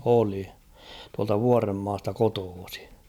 oli tuolta Vuorenmaasta kotoisin